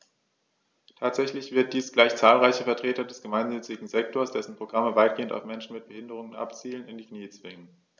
Tatsächlich wird dies gleich zahlreiche Vertreter des gemeinnützigen Sektors - dessen Programme weitgehend auf Menschen mit Behinderung abzielen - in die Knie zwingen.